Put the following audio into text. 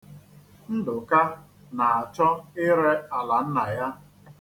Ndụka na-achọ ire ala nna ya.